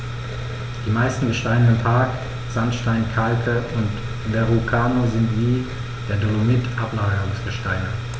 Die meisten Gesteine im Park – Sandsteine, Kalke und Verrucano – sind wie der Dolomit Ablagerungsgesteine.